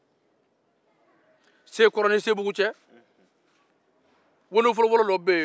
wonofolon dɔ bɛ sekɔrɔ ni sebugu cɛ